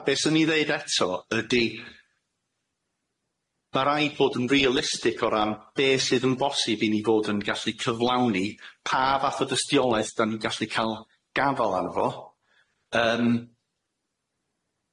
A be' swn i ddeud eto ydi ma' raid bod yn realistic o ran be' sydd yn bosib i ni fod yn gallu cyflawni pa fath o dystiolaeth da ni'n gallu ca'l o- gafal arno fo yym